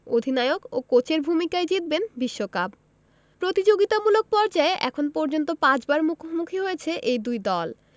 অধিনায়ক ও কোচের ভূমিকায় জিতবেন বিশ্বকাপ প্রতিযোগিতামূলক পর্যায়ে এখন পর্যন্ত পাঁচবার মুখোমুখি হয়েছে এই দুই দল